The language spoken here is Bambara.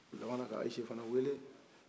u laban na ka ayise fana wele